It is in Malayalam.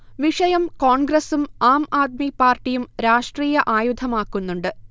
വിഷയം കോൺഗ്രസും ആംആദ്മി പാർട്ടിയും രാഷ്ട്രീയ ആയുധമാക്കുന്നുണ്ട്